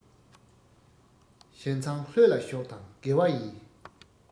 གཞན མཚང ལྷོད ལ ཞོག དང དགེ བ ཡིན